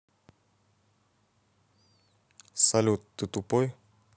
салют ты тупой